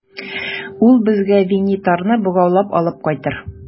Ул безгә Винитарны богаулап алып кайтыр.